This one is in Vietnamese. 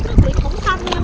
nhưng